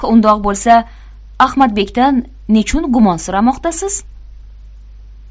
undoq bo'lsa ahmadbekdan nechun gumonsiramoqdasiz